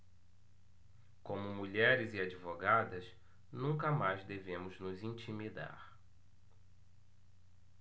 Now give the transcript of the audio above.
como mulheres e advogadas nunca mais devemos nos intimidar